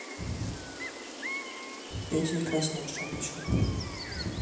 петя и красная шапочка